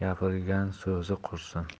gapirgan so'zi qursin